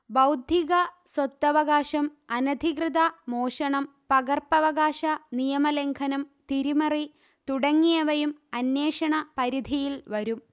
ബൌദ്ധിക സ്വത്തവകാശം അനധികൃത മോഷണം പകർപ്പവകാശ നിയമലംഘനം തിരിമറി തുടങ്ങിയവയും അന്വേഷണ പരിധിയിൽ വരും